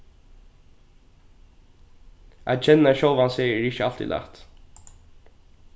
at kenna sjálvan seg er ikki altíð lætt